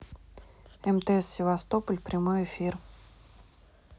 мтс севастополь прямой эфир